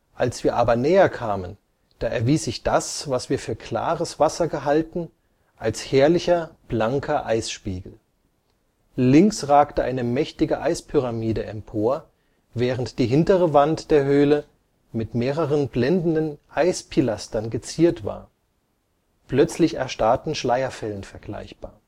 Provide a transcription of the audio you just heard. Als wir aber näher kamen, da erwies sich das, was wir für klares Wasser gehalten, als herrlicher, blanker Eisspiegel; links ragte eine mächtige Eispyramide empor, während die hintere Wand der Höhle mit mehreren blendenden Eispilastern geziert war, plötzlich erstarrten Schleierfällen vergleichbar